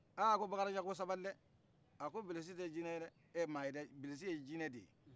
ahhh a ko bakarijan sabali dɛ a ko bilisi tɛ maa ye dɛ bilisi ye ɲinɛ de ye